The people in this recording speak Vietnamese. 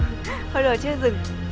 thôi đùa chứ dừng